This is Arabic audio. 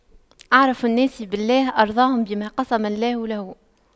أعرف الناس بالله أرضاهم بما قسم الله له